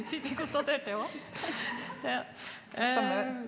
fikk vi konstatert det òg ja .